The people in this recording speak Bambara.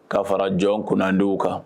Ka fara jɔn kunnadiw kan